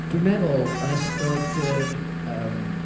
Dwi'n meddwl, yn ystod yr yym